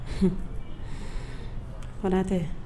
Un ko tɛ